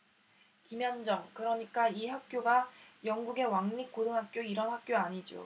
김현정 그러니까 이 학교가 영국의 왕립고등학교 이런 학교 아니죠